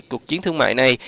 cuộc chiến thương mại này